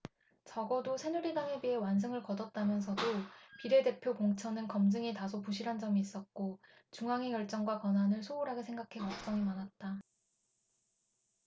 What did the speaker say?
적어도 새누리당에 비해 완승을 거뒀다면서도 비례대표 공천은 검증이 다소 부실한 점이 있었고 중앙위 결정과 권한을 소홀하게 생각해 걱정이 많았다